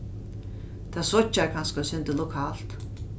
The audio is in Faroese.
tað sveiggjar kanska eitt sindur lokalt